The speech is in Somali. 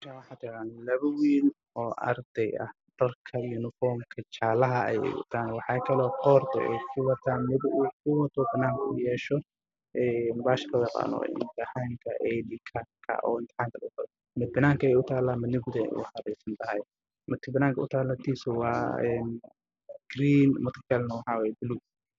Waa laba wiil oo arday ah oo dharka jaallaha mid wuxuu wataa idikaareeyay wataan mid wuxuu wataa cagaar kun wuxuu wataa